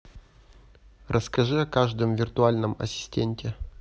расскажи о каждом виртуальном ассистенте